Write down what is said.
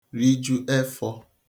riju efọ